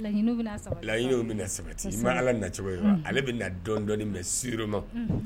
Laɲiniw bɛ na sabati, laɲiniw bɛ na sabati, kosɛbɛ, i ma Ala na cogo ye wa, ale bɛ na dɔnin dɔnin mais sûrement unhun